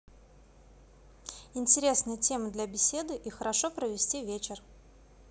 интересная тема для беседы и хорошо провести вечер